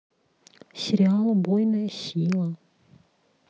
сериал убойная сила